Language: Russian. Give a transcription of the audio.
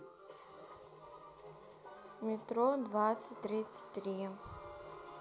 метро двадцать тридцать три